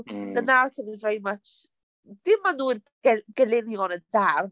The narrative is very much... dim maen nhw'n ge- gelynion yn dda...